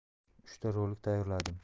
uchta rolik tayyorladim